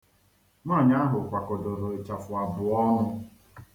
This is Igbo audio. Nwaanyị ahụ kwakọdoro ịchafụ abụọ ọnụ.